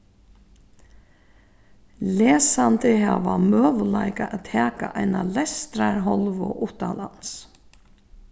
lesandi hava møguleika at taka eina lestrarhálvu uttanlands